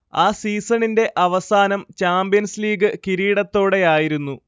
ആ സീസണിന്റെ അവസാനം ചാമ്പ്യൻസ് ലീഗ് കിരീടത്തോടെയായിരുന്നു